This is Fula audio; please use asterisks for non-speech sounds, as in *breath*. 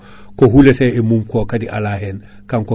*breath* mawo ren awdi e nder leydi